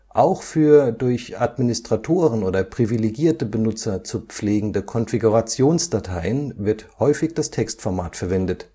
Auch für durch Administratoren oder privilegierte Benutzer zu pflegende Konfigurationsdateien wird häufig das Textformat verwendet